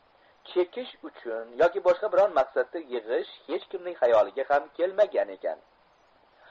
chekish uchun yoki boshqa biron maqsadda yig'ish hech kimning hayoliga ham kelmagan ekan